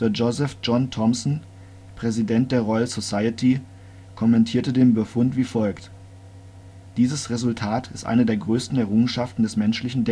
Joseph John Thomson, Präsident der Royal Society, kommentierte den Befund wie folgt: „ Dieses Resultat ist eine der größten Errungenschaften des menschlichen